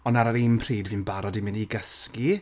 ond ar yr un pryd fi'n barod i mynd i gysgu.